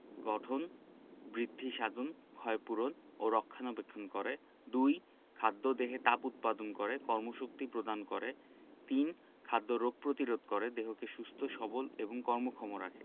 গঠন বৃদ্ধিসাধন ক্ষয়পূরণ ও রক্ষণাবেক্ষণ করে ২ খাদ্য দেহে তাপ উৎপাদন করে কর্মশক্তি প্রদান করে ৩ খাদ্য রোগ প্রতিরোধ করে দেহকে সুস্থ সবল এবং কর্মক্ষম রাখে